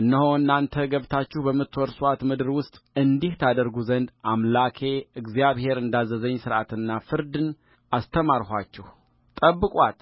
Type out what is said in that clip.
እነሆ እናንተ ገብታችሁ በምትወርሱአት ምድር ውስጥ እንዲህ ታደርጉ ዘንድ አምላኬ እግዚአብሔር እንዳዘዘኝ ሥርዓትንና ፍርድን አስተማርኋችሁጠብቁአት